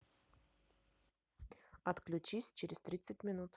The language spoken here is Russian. отключись через тридцать минут